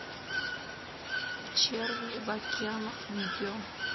черви в океанах видео